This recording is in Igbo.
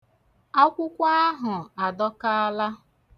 Akwụkwọ ahụ adọkaala.